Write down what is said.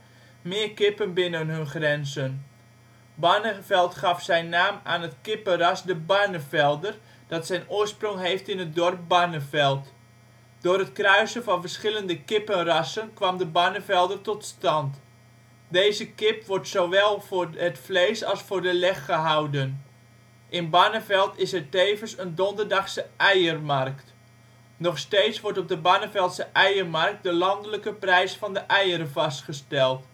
meer kippen binnen hun grenzen. Barneveld gaf zijn naam aan het kippenras de Barnevelder dat zijn oorsprong heeft in het dorp Barneveld. Door het kruisen van verschillende kippenrassen kwam de Barnevelder tot stand. Deze kip wordt zowel voor het vlees als voor de leg gehouden. In Barneveld is er tevens een donderdagse eiermarkt. Nog steeds wordt op de Barneveldse eiermarkt de landelijke prijs van de eieren vastgesteld